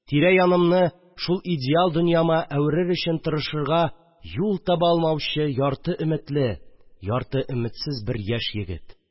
Тирә янымны шул идеал дөньяма әверер өчен тырышырга юл таба алмаучы ярты өметле, ярты өметсез бер яшь егет